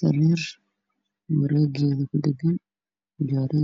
Waa qol waxaa yaalo